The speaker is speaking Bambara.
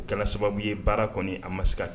O kɛlɛ sababu ye baara kɔni a ma se ka kan